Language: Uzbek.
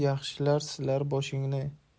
yaxshilar silar boshingni